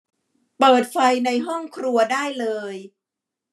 เปิดไฟในห้องครัวได้เลย